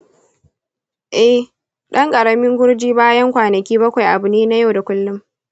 eh, ɗan ƙaramin kurji bayan kwanaki bakwai abu ne na yau da kullum.